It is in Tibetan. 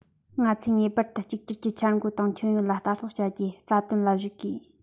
ང ཚོས ངེས པར དུ གཅིག གྱུར གྱི འཆར འགོད དང ཁྱོན ཡོངས ལ ལྟ རྟོག བྱ རྒྱུའི རྩ དོན ལ གཞིགས དགོས